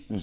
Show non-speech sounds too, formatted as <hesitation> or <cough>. <hesitation> <hesitation>